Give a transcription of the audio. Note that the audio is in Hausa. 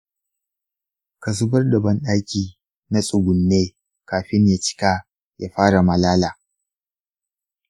ka zubar da bandaki na tsugunne kafin ya cika ya fara malala.